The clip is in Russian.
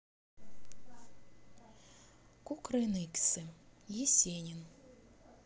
кукрыниксы есенин